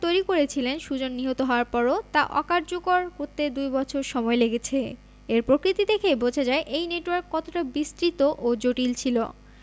তৈরি করেছিলেন সুজন নিহত হওয়ার পরও তা অকার্যকর করতে দুই বছর সময় লেগেছে এর প্রকৃতি দেখেই বোঝা যায় এই নেটওয়ার্ক কতটা বিস্তৃত ও জটিল ছিল